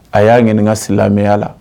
A y'a ɲininka ka silamɛya la